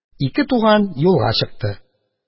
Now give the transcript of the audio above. Ике туган юлга чыкты.